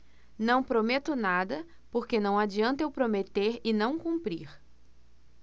não prometo nada porque não adianta eu prometer e não cumprir